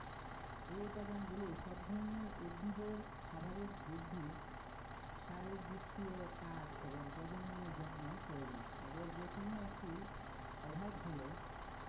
এই উপাদানগুলো সব ধরনের উদ্ভিদের স্বাভাবিক বৃদ্ধি শারীরবৃত্তীয় কাজ এবং প্রজননের জন্য প্রয়োজন এদের যেকোনো একটির অভাব হলে